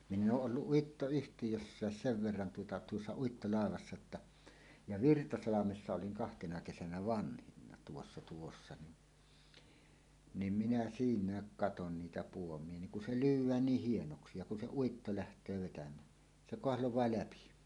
minä olen ollut Uittoyhtiössäkin sen verran tuota tuossa uittolaivassa jotta ja Virtasalmessa olin kahtena kesänä vanhimpana tuossa tuossa niin niin minä siinäkin katsoin niitä puomeja niin kun se lyödään niin hienoksi ja kun se uitto lähtee vetämään se kahlaa läpi